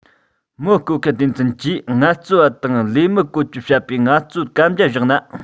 མི བཀོལ མཁན སྡེ ཚན གྱིས ངལ རྩོལ པ དང ལས མི བཀོལ སྤྱོད བྱེད པའི ངལ རྩོལ གན རྒྱ བཞག ན